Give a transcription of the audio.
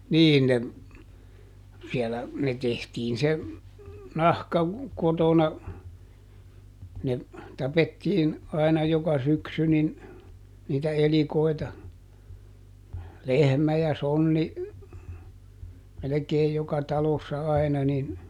niin ne siellä ne tehtiin se nahka kotona ne tapettiin aina joka syksy niin niitä elikoita lehmä ja sonni melkein joka talossa aina niin